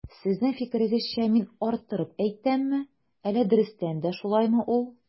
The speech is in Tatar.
Сезнең фикерегезчә мин арттырып әйтәмме, әллә дөрестән дә шулаймы ул?